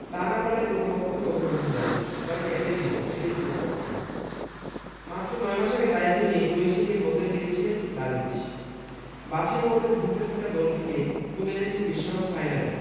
তা না পারলে প্রতিপক্ষকে অভিনন্দন জানাব কারণ এটাই জীবন এটাই ফুটবল মাত্র ৯ মাস আগে দায়িত্ব নিয়ে ক্রোয়েশিয়াকে বদলে দিয়েছেন দালিচ বাছাই পর্বে ধুঁকতে থাকা দলটিকে তুলে এনেছেন বিশ্বকাপ ফাইনালে